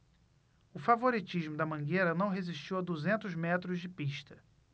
o favoritismo da mangueira não resistiu a duzentos metros de pista